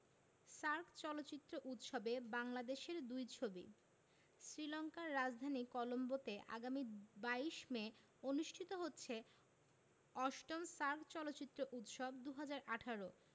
SAARC চলচ্চিত্র উৎসবে বাংলাদেশের দুই ছবি শ্রীলংকার রাজধানী কলম্বোতে আগামী ২২ মে অনুষ্ঠিত হচ্ছে ৮ম সার্ক চলচ্চিত্র উৎসব ২০১৮